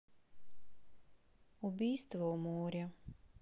убийство у моря